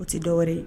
O tɛ dɔwɛrɛ